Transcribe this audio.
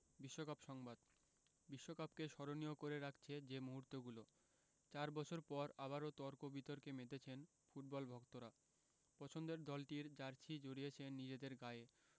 বিশ্বকাপ সংবাদ বিশ্বকাপকে স্মরণীয় করে রাখছে যে মুহূর্তগুলো চার বছর পর আবারও তর্ক বিতর্কে মেতেছেন ফুটবল ভক্তরা পছন্দের দলটির জার্সি জড়িয়েছেন নিজেদের গায়ে